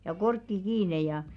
ja korkki kiinni ja